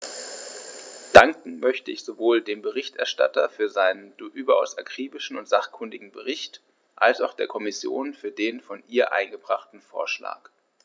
Danken möchte ich sowohl dem Berichterstatter für seinen überaus akribischen und sachkundigen Bericht als auch der Kommission für den von ihr eingebrachten Vorschlag.